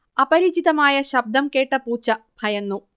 അപരിചിതമായ ശബ്ദം കേട്ട പൂച്ച ഭയന്നു